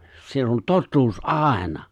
siellä on totuus aina